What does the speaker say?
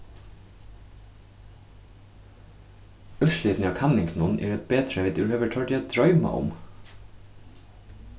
úrslitini av kanningunum eru betri enn vit yvirhøvur tordu at droyma um